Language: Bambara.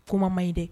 Kumama ma ɲi dɛ